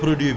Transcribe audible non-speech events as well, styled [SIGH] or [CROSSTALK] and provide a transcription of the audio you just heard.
[HESITATION] [HESITATION]